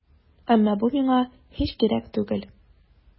Әмма бу миңа һич кирәк түгел.